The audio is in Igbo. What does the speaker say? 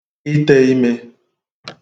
ite imē